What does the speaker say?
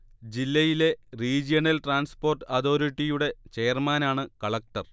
ജില്ലയിലെ regional transport അതോറിറ്റിയുടെ ചെയർമാനാണ് കളക്ടർ